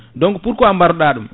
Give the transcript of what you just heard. donc pourquoi barɗa ɗum